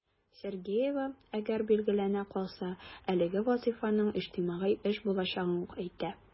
Сергеева, әгәр билгеләнә калса, әлеге вазыйфаның иҗтимагый эш булачагын әйтә.